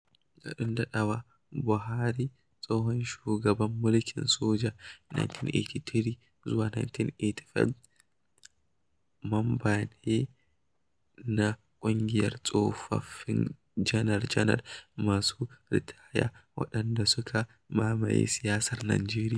Daɗin-daɗawa, Buhari, tsohon shugaban mulkin soji (1983-1985) mamba ne na ƙungiyar tsofaffin janar-janar masu ritaya waɗanda suka mamaye siyasar Najeriya.